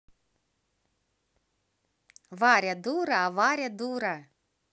варя дура а варя дура